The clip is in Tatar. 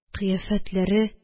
Кыяфәтләре